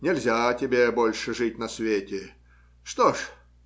нельзя тебе больше жить на свете. Что же?